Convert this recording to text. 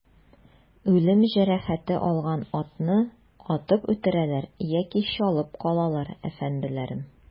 Үлем җәрәхәте алган атны атып үтерәләр яки чалып калалар, әфәнделәрем.